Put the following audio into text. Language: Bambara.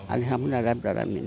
Ali hamdu a'a bilara minɛ